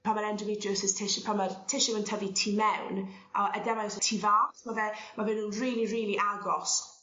pan ma'n endometriosis tissue pan ma'r tissue yn tyfu tu mewn a ademosis tu fas ma' fe ma' fe nw'n rili rili agos